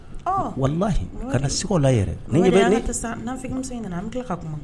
Walahi ka na siga o la yɛrɛ ne ɲɛ bɛ ne